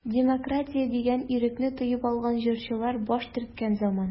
Демократия дигән ирекне тоеп алган җырчылар баш төрткән заман.